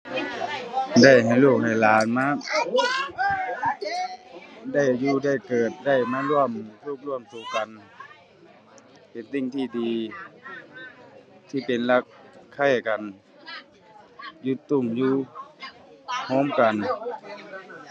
ได้ให้ลูกให้หลานมา ได้อยู่ได้เกิดได้มาร่วม ร่วมทุกข์ร่วมสุขกัน เป็นสิ่งที่ดี ที่เป็นรักใคร่กัน อยู่ตุ้มอยู่โฮมกัน